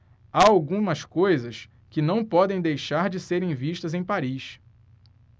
há algumas coisas que não podem deixar de serem vistas em paris